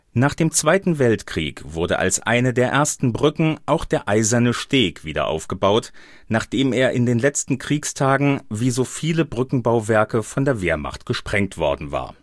Nach dem Zweiten Weltkrieg wurde als eine der ersten Brücken auch der Eiserne Steg wieder aufgebaut, nachdem er in den letzten Kriegstagen wie so viele Brückenbauwerke von der Wehrmacht gesprengt worden war